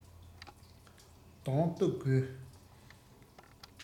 གདོང གཏུག དགོས